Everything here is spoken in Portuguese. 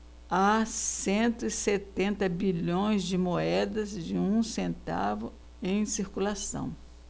há cento e setenta bilhões de moedas de um centavo em circulação